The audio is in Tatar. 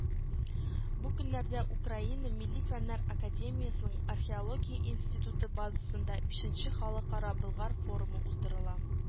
Бу көннәрдә Украина Милли фәннәр академиясенең Археология институты базасында бишенче Халыкара Болгар форумы уздырыла.